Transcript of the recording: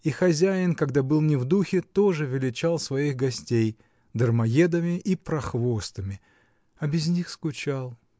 и хозяин, когда был не в духе, тоже величал своих гостей дармоедами и прохвостами, а без них скучал.